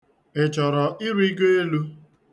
Ị chọrọ irigo elu?